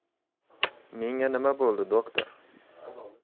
menga nima bo'ldi doctor